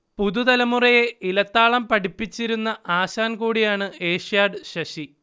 പുതുതലമുറയെ ഇലത്താളം പഠിപ്പിച്ചിരുന്ന ആശാൻ കൂടിയാണ് ഏഷ്യാഡ് ശശി